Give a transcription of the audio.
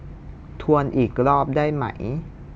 ทวนอีกรอบได้ไหม